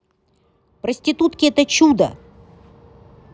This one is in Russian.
проститутки это чудо